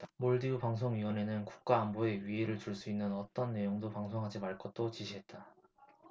몰디브 방송위원회는 국가안보에 위해를 줄 수 있는 어떤 내용도 방송하지 말 것도 지시했다